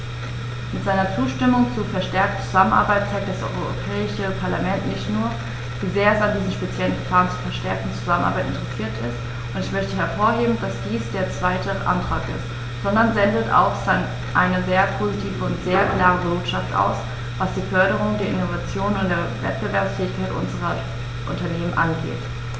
Mit seiner Zustimmung zur verstärkten Zusammenarbeit zeigt das Europäische Parlament nicht nur, wie sehr es an diesem speziellen Verfahren zur verstärkten Zusammenarbeit interessiert ist - und ich möchte hervorheben, dass dies der zweite Antrag ist -, sondern sendet auch eine sehr positive und sehr klare Botschaft aus, was die Förderung der Innovation und der Wettbewerbsfähigkeit unserer Unternehmen angeht.